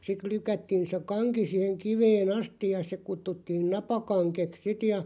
sitten lykättiin se kanki siihen kiveen asti ja se kutsuttiin napakangeksi sitten ja